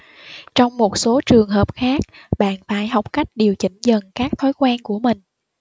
trong một số trường hợp khác bạn phải học cách điều chỉnh dần các thói quen của mình